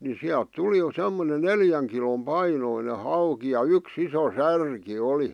niin sieltä tuli semmoinen neljän kilon painoinen hauki ja yksi iso särki oli